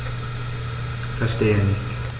Verstehe nicht.